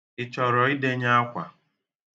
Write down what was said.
Ị chọrọ idenye akwa?